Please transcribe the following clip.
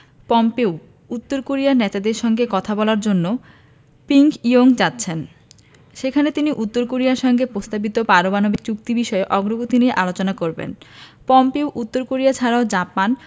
Pompeo উত্তর কোরিয়ার নেতাদের সঙ্গে কথা বলার জন্য পিয়ংইয়ং যাচ্ছেন সেখানে তিনি উত্তর কোরিয়ার সঙ্গে প্রস্তাবিত পারমাণবিক চুক্তি বিষয়ে অগ্রগতি নিয়ে আলোচনা করবেন পম্পেও উত্তর কোরিয়া ছাড়াও জাপান